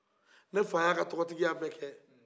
ne fa ye a ka tɔgɔ bɛ kɛ